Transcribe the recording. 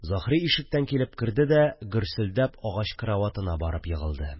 Заһри ишектән килеп керде дә, гөрселдәп агач караватына барып егылды